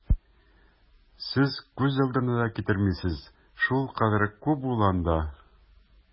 Сез күз алдына да китермисез, шулкадәр күп ул анда!